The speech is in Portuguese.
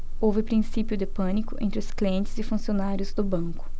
houve princípio de pânico entre os clientes e funcionários do banco